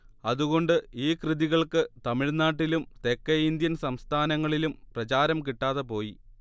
അതുകൊണ്ട് ഈ കൃതികൾക്ക് തമിഴ്നാട്ടിലും തെക്കേ ഇന്ത്യൻ സംസ്ഥാനങ്ങളിലും പ്രചാരം കിട്ടാതെപോയി